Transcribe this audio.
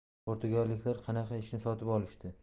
portugaliyaliklar qanaqa ishni sotib olishdi